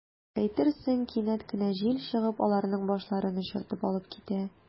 Әйтерсең, кинәт кенә җил чыгып, аларның “башларын” очыртып алып китә.